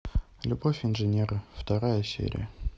любовь инженера вторая серия